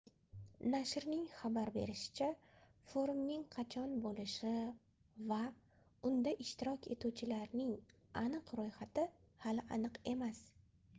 nashrning xabar berishicha forumning qachon bo'lishi va unda ishtirok etuvchilarning aniq ro'yxati hali aniq emas